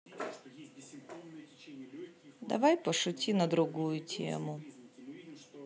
давай пошути на другую тему